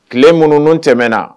Tile minnu n'u tɛmɛna,